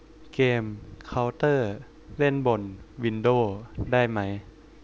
เกมเค้าเตอร์เล่นบนวินโด้ได้ไหม